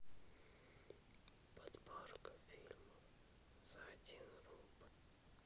подборка фильмов за один рубль